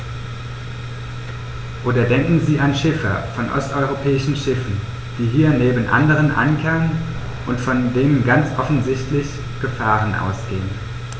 Oder denken Sie an Schiffer von osteuropäischen Schiffen, die hier neben anderen ankern und von denen ganz offensichtlich Gefahren ausgehen.